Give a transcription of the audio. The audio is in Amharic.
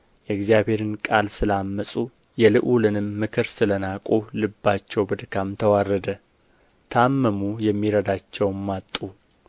የእግዚአብሔርን ቃል ስለ ዐመፁ የልዑልንም ምክር ስለ ናቁ ልባቸው በድካም ተዋረደ ታመሙ የሚረዳቸውም አጡ